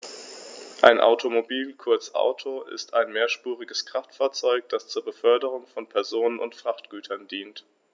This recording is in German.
Ein Automobil, kurz Auto, ist ein mehrspuriges Kraftfahrzeug, das zur Beförderung von Personen und Frachtgütern dient.